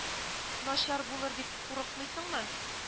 Начар булыр дип курыкмыйсыңмы